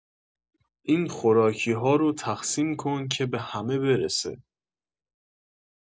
این خوراکی‌ها رو تقسیم کن که به همه برسه